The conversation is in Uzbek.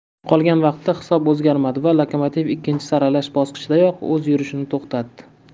qolgan vaqtda hisob o'zgarmadi va lokomotiv ikkinchi saralash bosqichidayoq o'z yurishini to'xtatdi